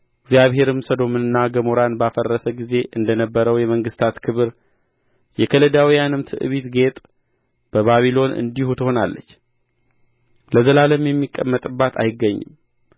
እግዚአብሔርም ሰዶምንና ገሞራን ባፈረሰ ጊዜ እንደ ነበረው የመንግሥታት ክብር የከለዳውያንም ትዕቢት ጌጥ ባቢሎን እንዲሁ ትሆናለች ለዘላለም የሚቀመጥባት አይገኝም